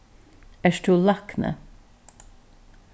ert tú lækni